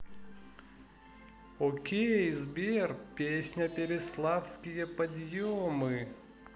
окей сбер песня переславские подъемы